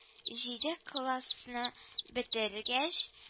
Җиде классны бетергәч